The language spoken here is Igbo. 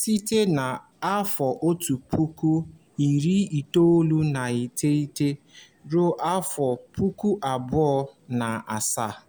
site na 1999 ruo 2007.